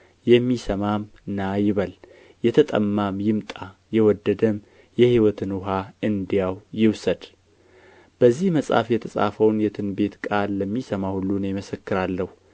የሚሰማም ና ይበል የተጠማም ይምጣ የወደደም የሕይወትን ውኃ እንዲያው ይውሰድ በዚህ መጽሐፍ የተጻፈውን የትንቢት ቃል ለሚሰማ ሁሉ እኔ እመሰክራለሁ